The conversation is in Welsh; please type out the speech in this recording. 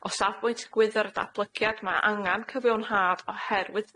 O safbwynt gwyddor datblygiad ma' angan cyfiawnhad oherwydd